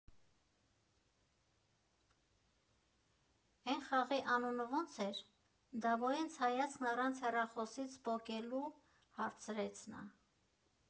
Էն խաղի անունը ո՞նց էր, Դավոյենց, ֊ հայացքն առանց հեռախոսից պոկելու հարցրեց նա։